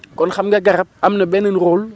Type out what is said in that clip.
kon xam nga garab am na benn rôle